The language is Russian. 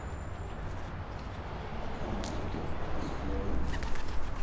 компот небоскребы